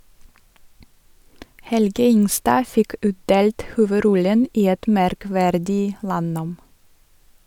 Helge Ingstad fikk utdelt hovedrollen i et merkverdig landnåm.